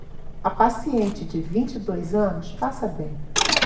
a paciente de vinte e dois anos passa bem